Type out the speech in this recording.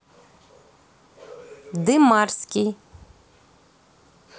дымарский